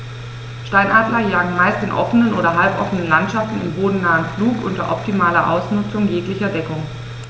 Steinadler jagen meist in offenen oder halboffenen Landschaften im bodennahen Flug unter optimaler Ausnutzung jeglicher Deckung.